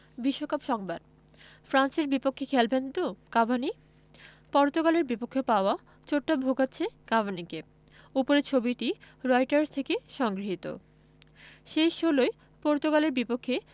বিশ্বকাপ সংবাদ ফ্রান্সের বিপক্ষে খেলবেন তো কাভানি পর্তুগালের বিপক্ষে পাওয়া চোটটা ভোগাচ্ছে কাভানিকে ওপরের ছবিটি রয়টার্স থেকে সংগৃহীত শেষ ষোলোয় পর্তুগালের বিপক্ষে